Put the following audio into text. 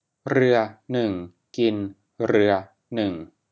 เรือหนึ่งกินเรือหนึ่ง